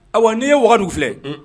Ayiwa n'i ye wagadu filɛ